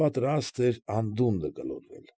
Պատրաստ էր անդունդը գլորվել։ ֊